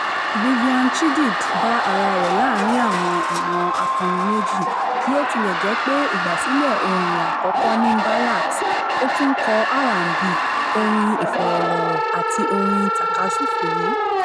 Viviane Chidid bá ara rẹ̀ láàárín àwọn ìran akọrin méjì: bí ó tilẹ̀ jẹ́ pé ìgbàsílẹ̀ ohùn rẹ̀ àkọ́kọ́ ni Mbalax, ó tún ń kọ R&B, orin ìfọ̀rọ̀lọ́rọ̀ àti orin tàkasúfèé.